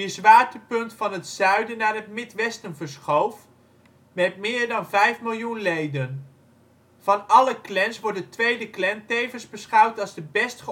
zwaartepunt van het Zuiden naar het Midwesten verschoof met meer dan 5 miljoen leden. Van alle Klans wordt de tweede Klan tevens beschouwd als de best